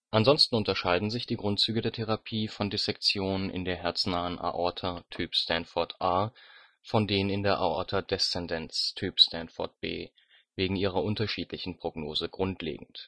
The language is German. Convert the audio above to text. Ansonsten unterscheiden sich die Grundzüge der Therapie von Dissektionen in der herznahen Aorta (Typ Stanford A) von denen in der Aorta descendens (Typ Stanford B) wegen ihrer unterschiedlichen Prognose grundlegend